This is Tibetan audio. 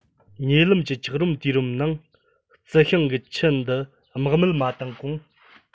ཉེ ལམ གྱི འཁྱགས རོམ དུས རིམ ནང རྩི ཤིང གི ཁྱུ འདི རྨེག མེད མ བཏང གོང